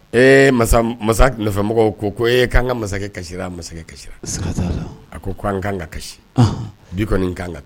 Ee masa masa nɔnfɛ mɔgɔw ko ee k'an ka masakɛ kasi masakɛ kasi a ko ko an k'an ka ka kasi bi kɔni k'an